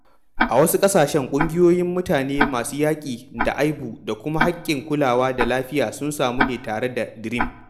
A wasu ƙasashen, ƙungiyoyin mutane masu yaƙi da aibu da kuma haƙƙin kulawa da lafiya sun samu ne tare da DREAM.